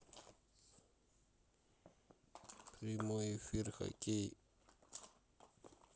прямой эфир хоккей